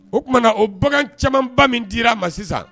O tumaumana o bagan camanba min dira ma sisan